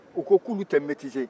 u ko k'olu tɛ metize